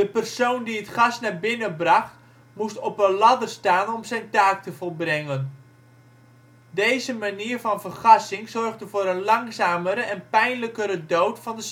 persoon die het gas naar binnen bracht moest op een ladder staan om zijn taak te volbrengen. Deze manier van vergassing zorgde voor een langzamere en pijnlijkere dood van